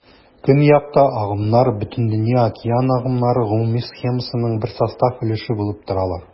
Көньякта агымнар Бөтендөнья океан агымнары гомуми схемасының бер состав өлеше булып торалар.